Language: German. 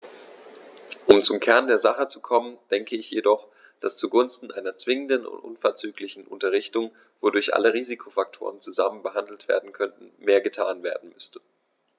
Um zum Kern der Sache zu kommen, denke ich jedoch, dass zugunsten einer zwingenden und unverzüglichen Unterrichtung, wodurch alle Risikofaktoren zusammen behandelt werden könnten, mehr getan werden müsste.